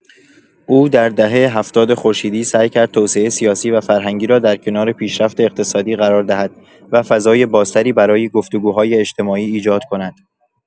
او در دهه ۷۰ خورشیدی سعی کرد توسعه سیاسی و فرهنگی را در کنار پیشرفت اقتصادی قرار دهد و فضای بازتری برای گفت‌وگوهای اجتماعی ایجاد کند.